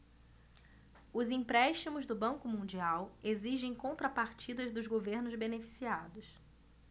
os empréstimos do banco mundial exigem contrapartidas dos governos beneficiados